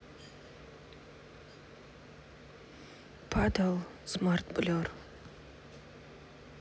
падал smart blur